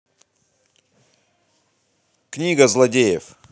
книга злодеев